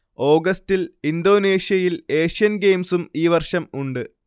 ഓഗസ്റ്റിൽ ഇന്തോനേഷ്യയിൽ ഏഷ്യൻ ഗെയിംസും ഈവർഷം ഉണ്ട്